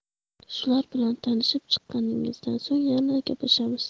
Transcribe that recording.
shular bilan tanishib chiqqaningizdan so'ng yana gaplashamiz